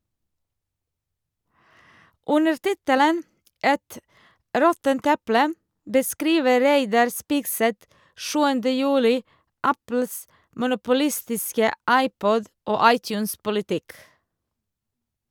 Under tittelen «Et råttent eple» beskriver Reidar Spigseth 7. juli Apples monopolistiske iPod- og iTunes-politikk.